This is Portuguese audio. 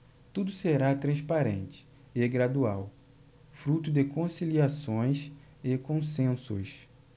tudo será transparente e gradual fruto de conciliações e consensos